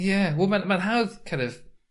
Ie wel ma'n ma'n hawdd kin' of